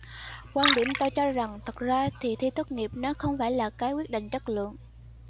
quan điểm tôi cho rằng thực ra thì thi tốt nghiệp nó không phải là cái quyết định chất lượng